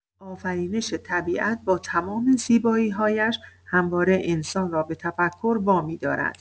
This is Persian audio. آفرینش طبیعت با تمام زیبایی‌هایش همواره انسان را به تفکر وامی‌دارد.